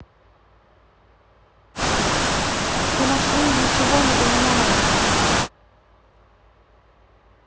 ты машина ничего не понимаешь